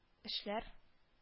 Эшләр